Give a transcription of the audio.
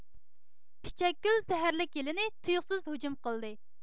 پىچەكگۈل زەھەرلىك يىلىنى تۇيۇقسىز ھۇجۇم قىلدى